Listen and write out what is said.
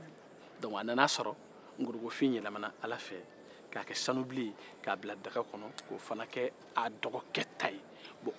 a nana a sɔrɔ nkoronfin yɛlɛmana ka ke sanu bilen ye daga kɔnɔ k'o fana kɛ dɔgɔkɛ ta